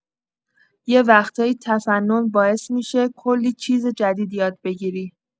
یه وقتایی تفنن باعث می‌شه کلی چیز جدید یاد بگیری.